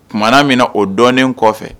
Tumana min na o dɔɔninnen kɔfɛ